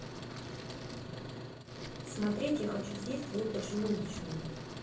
смотреть я хочу съесть твою поджелудочную